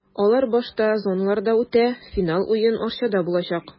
Алар башта зоналарда үтә, финал уен Арчада булачак.